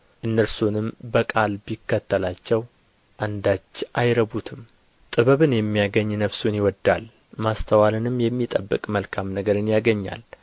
እነርሱንም በቃል ቢከተላቸው አንዳች አይረቡትም ጥበብን የሚያገኝ ነፍሱን ይወድዳል ማስተዋልንም የሚጠብቅ መልካም ነገርን ያገኛል